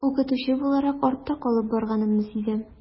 Укытучы буларак артта калып барганымны сизәм.